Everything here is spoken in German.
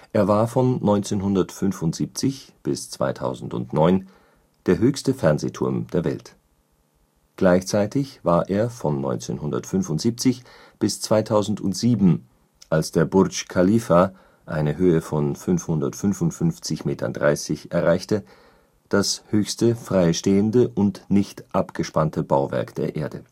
Er war von 1975 bis 2009 der höchste Fernsehturm der Welt. Gleichzeitig war er von 1975 bis 2007, als der Burj Khalifa eine Höhe von 555,30 Metern erreichte, das höchste freistehende und nicht abgespannte Bauwerk der Erde